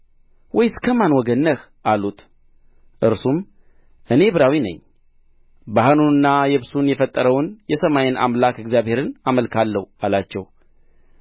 ወይስ ከማን ወገን ነህ አሉት እርሱም እኔ ዕብራዊ ነኝ በሕሩንና የብሱን የፈጠረውን የሰማይን አምላክ እግዚአብሔርን እመልካለሁ አላቸው